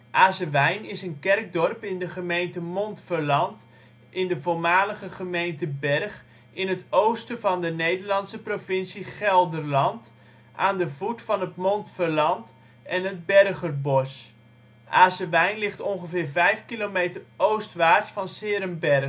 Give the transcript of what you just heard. Azewijn is een kerkdorp in de gemeente Montferland (in de voormalige gemeente Bergh) in het oosten van de Nederlandse provincie Gelderland, aan de voet van het Montferland en het Bergherbos. Azewijn ligt ongeveer 5 kilometer oostwaarts van ' s-Heerenberg. Het